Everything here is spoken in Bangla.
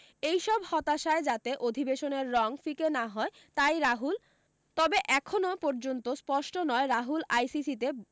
এই সব হতাশায় যাতে অধিবেশনের রঙ ফিকে না হয় তাই রাহুল তবে এখনও পর্যন্ত স্পষ্ট নয় রাহুল আইসিসিতে